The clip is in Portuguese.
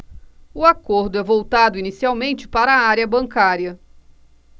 o acordo é voltado inicialmente para a área bancária